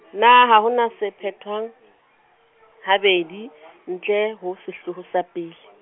na ha ho na se phetwang, habedi, ntle ho sehlooho sa pale?